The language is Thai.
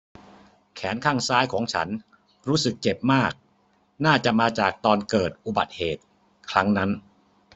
แขนข้างซ้ายของฉันรู้สึกเจ็บมากน่าจะมาจากตอนเกิดอุบัติเหตุครั้งนั้น